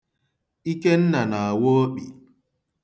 Ikenna na-awa okpi.